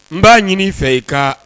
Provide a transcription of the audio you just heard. N b'a ɲini fɛ i kan